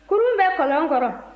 kurun bɛ kolon kɔrɔ